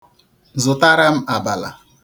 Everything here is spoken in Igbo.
Zụtara m abala.